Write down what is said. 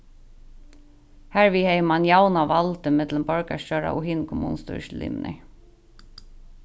harvið hevði mann javnað valdið millum borgarstjóran og hinar kommunustýrislimirnar